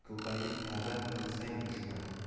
ko'payar talab qilsang dushman